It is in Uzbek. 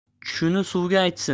tushini suvga aytsin